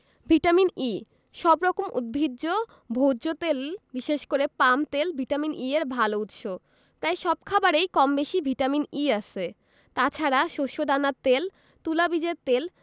vitamin E সব রকম উদ্ভিজ্জ ভোজ্য তেল বিশেষ করে পাম তেল ভিটামিন E এর ভালো উৎস প্রায় সব খাবারেই কমবেশি ভিটামিন E আছে তাছাড়া শস্যদানার তেল তুলা বীজের তেল